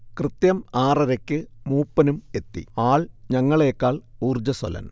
കൃത്യം ആറരക്ക് മൂപ്പനും എത്തി, ആൾ ഞങ്ങളേക്കാൾ ഊർജ്ജസ്വലൻ